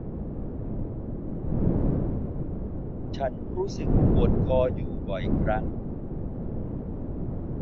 ฉันรู้สึกปวดคออยู่บ่อยครั้ง